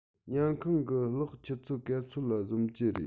ཉལ ཁང གི གློག ཆུ ཚོད ག ཚོད ལ གཟིམ གྱི རེད